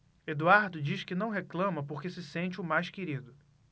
eduardo diz que não reclama porque se sente o mais querido